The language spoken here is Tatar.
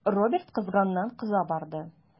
Роберт кызганнан-кыза барды.